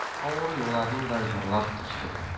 Авыр елларны да җырлап кичтек.